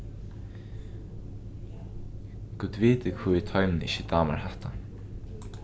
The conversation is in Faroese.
gud viti hví teimum ikki dámar hatta